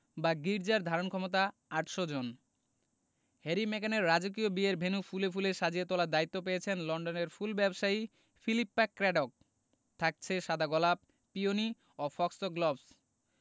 বা গির্জার ধারণক্ষমতা ৮০০ জন হ্যারি মেগানের রাজকীয় বিয়ের ভেন্যু ফুলে ফুলে সাজিয়ে তোলার দায়িত্ব পেয়েছেন লন্ডনের ফুল ব্যবসায়ী ফিলিপ্পা ক্র্যাডোক থাকছে সাদা গোলাপ পিওনি ও ফোক্সগ্লোভস